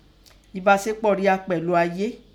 Ẹ̀basepo ria pẹ̀lu aye.